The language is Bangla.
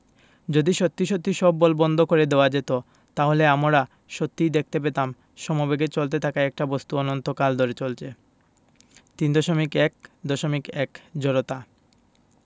যদি সত্যি সত্যি সব বল বন্ধ করে দেওয়া যেত তাহলে আমরা সত্যিই দেখতে পেতাম সমবেগে চলতে থাকা একটা বস্তু অনন্তকাল ধরে চলছে ৩.১.১ জড়তা